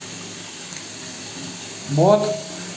бот